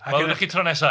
A gennoch chi tro nesa.